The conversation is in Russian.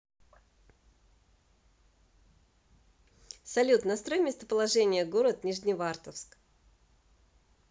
салют настрой местоположение город нижневартовск